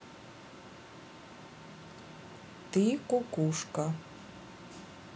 ты кукушка